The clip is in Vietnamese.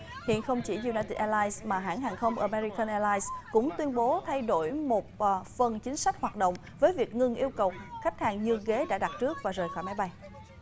hiện không chỉ du nai tịt e lai mà hãng hàng không ờ me ri cân e lai cũng tuyên bố thay đổi một phần chính sách hoạt động với việc ngừng yêu cầu khách hàng nhường ghế đã đặt trước và rời khỏi máy bay